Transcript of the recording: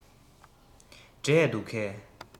འབྲས འདུག གས